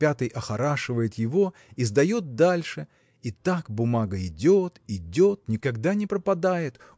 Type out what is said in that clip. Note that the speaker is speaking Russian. пятый охорашивает его и сдает дальше и так бумага идет идет – никогда не пропадает